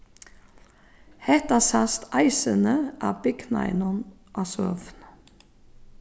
hetta sæst eisini á bygnaðinum á søguni